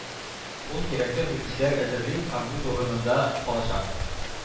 Ул кирәкле белгечләр әзерли һәм үз урынында калачак.